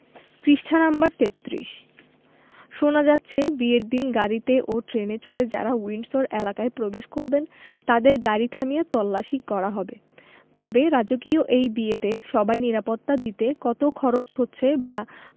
পৃষ্ঠা নাম্বার ৩৩ শোনা যাচ্ছে বিয়ের দিন গাড়িতে ও ট্রেনে চড়ে যাঁরা উইন্ডসর এলাকায় প্রবেশ করবেন তাঁদের গাড়ি থামিয়ে তল্লাশি করা হবে তবে রাজকীয় এই বিয়েতে সবার নিরাপত্তা দিতে কত খরচ হচ্ছে বা